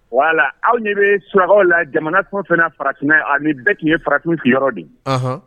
Wala aw ni bɛ su la jamana tun fana farafin ani bɛɛ tun ye farafinsigi yɔrɔ de